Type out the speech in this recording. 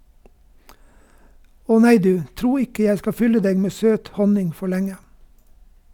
- Åh nei du , tro ikke jeg skal fylle deg med søt honning for lenge.